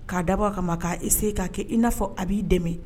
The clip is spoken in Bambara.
K'a dabɔ kama ma k'a i se k'a kɛ i n'a fɔ a b'i dɛmɛ